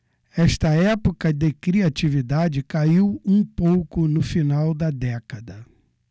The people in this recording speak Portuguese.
esta época de criatividade caiu um pouco no final da década